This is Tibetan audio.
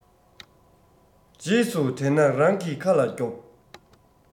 རྗེས སུ དྲན ན རང གི ཁ ལ རྒྱོབ